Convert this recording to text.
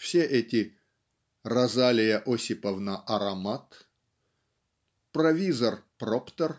все эти Розалия Осиповна Аромат провизор Проптер